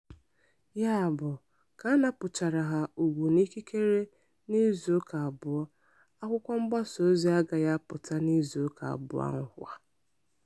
Ya bụ, ka a napụchara ha ugwu na ikikere n'izuụka abụọ, akwụkwọmgbasaozi agaghị apụta n'izuụka abụọ ahụ kwa.